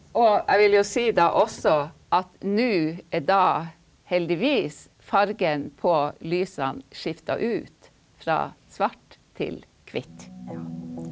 og jeg vil jo si da også at nå er da heldigvis fargen på lysene skifta ut fra svart til kvitt.